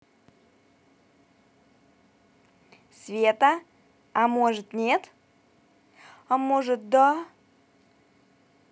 света а может нет а может да